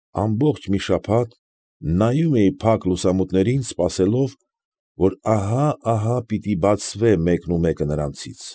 Ամբողջ մի շաբաթ նայում էի փակ լուսամուտներին, սպասելով, որ ահա֊ահա պիտի բացվե մեկն ու մեկը նրանցից։